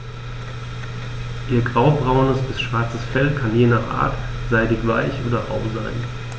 Ihr graubraunes bis schwarzes Fell kann je nach Art seidig-weich oder rau sein.